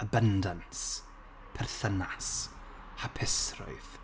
Abundance. Perthynas. Hapusrwydd.